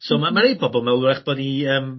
so ma' ma' rei pobol meddwl 'w'rach bo' ni yym